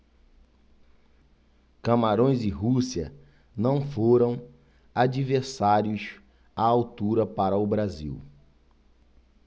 camarões e rússia não foram adversários à altura para o brasil